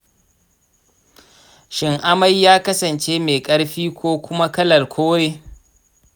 shin amai ya kasance mai ƙarfi ko kuma kalar kore?